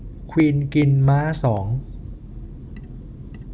ควีนกินม้าสอง